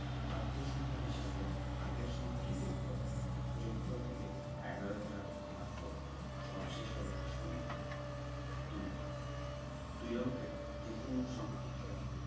প্রাপ্ত নতুন সংখ্যাটির সাথে আগের সংখ্যাটি যোগ কর যোগফল কে ১১ দ্বারা ভাগ কর ভাগশেষ হবে শূন্য ২ দুই অঙ্কের যেকোনো সংখ্যার